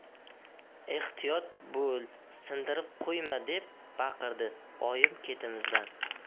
ehtiyot bo'l sindirib qo'yma deb baqirdi oyim ketimizdan